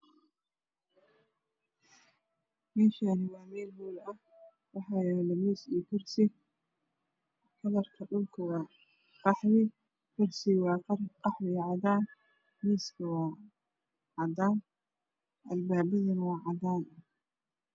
Meshaani waa meel hool ah waxaa yala miis iyo kursi kalarka dhuulka waa qaxwi waa qalin qaxwi iyo cadan miisku waa cadan albabadana waa cadan